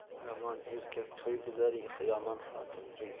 yomon erkak to'y buzar yomon xotin uy